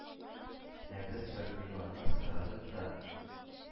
Ә без бер кыйбланы сайладык та